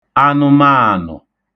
anụmaànụ̀